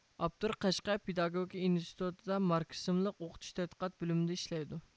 ئاپتور قەشقەر پېداگوگىكا ئىنستىتۇتى ماركسىزملىق ئوقۇتۇش تەتقىقات بۆلۈمىدە ئىشلەيدۇ